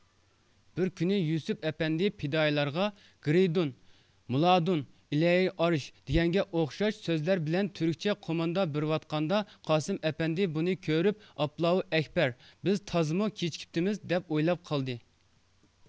بىر كۈنى يۈسۈپ ئەپەندى پىدائىيلارغا گېرى دۈن مولادۇن ئىلەرى ئارش دېگەنگە ئوخشاش سۆزلەر بىلەن تۈركچە قوماندا بېرىۋاتقاندا قاسىم ئەپەندى بۇنى كۆرۈپ ئاپلاھۇ ئەكبەر بىز تازىمۇ كېچىكىپتىمىز دەپ ئويلاپ قالدى